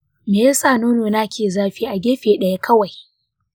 me ya sa nonona ke zafi a gefe ɗaya kawai?